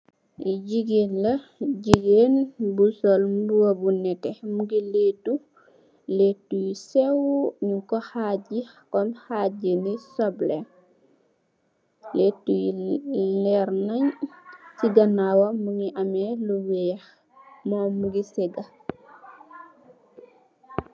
Ki jigeen la, jigeen bu sol mbubu bu netteh mugii lèttu lèttu yu séw mung ko haji kom haji no sobleh lèttu yi leer nañ. Ci ganaw mugii ameh lu wèèx mom mugii sëgg.